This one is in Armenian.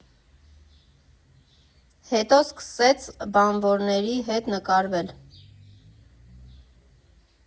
Հետո սկսեց բանվորների հետ նկարվել։